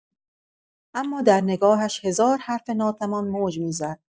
اما در نگاهش هزار حرف ناتمام موج می‌زد.